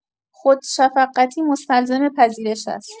خودشفقتی مستلزم پذیرش است.